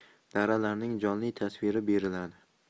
daralarning jonli tasviri beriladi